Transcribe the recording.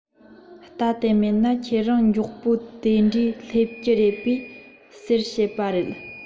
རྟ དེ མེད ན ཁྱེད རང མགྱོགས པོ དེའི འདྲ སླེབས ཀྱི རེད པས ཟེར བཤད པ རེད